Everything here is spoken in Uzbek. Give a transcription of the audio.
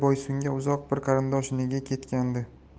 boysunga uzoq bir qarindoshinikiga ketgandi